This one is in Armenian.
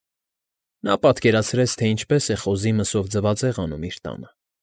Նա պատկերացրեց, թե ինչպես է խոզի մսով ձվածեղ անում իր տանը։